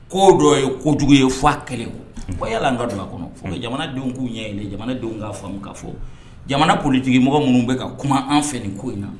Ko dɔ ye ko kojugu ye f a kɛlen o wa yala an ka don a kɔnɔ jamanadenw k'u ɲɛ jamanadenw k'a faamu ka fɔ jamana kolotigimɔgɔ minnu bɛ ka kuma an fɛ nin ko in na